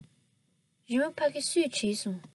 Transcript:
རི མོ ཕ གི སུས བྲིས སོང